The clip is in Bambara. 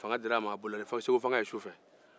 fanga dilen a ma a bolila ni segu fanga ye su fɛ